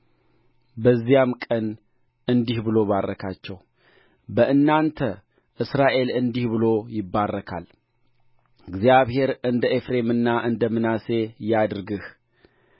በዚያም ቀን እንዲህ ብሎ ባረካቸው በእናንተ እስራኤል እንዲህ ብሎ ይባርካል እግዚአብሔር እንደ ኤፍሬምና እንደ ምናሴ ያድርግህ